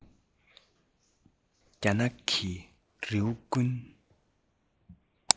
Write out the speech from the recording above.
རྒྱ ནག གི རི བོ ཀུན